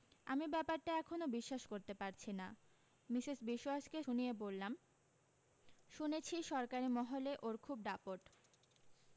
আমি ব্যাপারটা এখনও বিশ্বাস করতে পারছি না মিসেস বিশোয়াসকে শুনিয়ে বললাম শুনেছি সরকারী মহলে ওর খুব দাপট